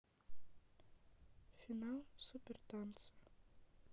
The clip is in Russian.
финал супер танцы